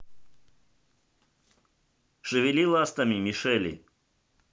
шевели ластами мишели